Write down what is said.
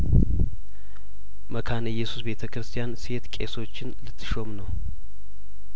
መካነ ኢየሱስ ቤተክርስቲያን ሴት ቄሶችን ልትሾም ነው